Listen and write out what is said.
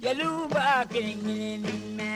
Jeliwba'a kɛ kelen